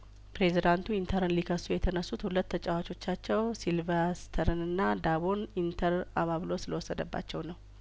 ፕሬዚዳንቱ ኢንተርን ሊከሱ የተነሱት ሁለት ተጫዋቾ ቻቸው ሲልቬስትርንና ዳቦን ኢንተር አባ ብሎ ስለወሰደባቸው ነው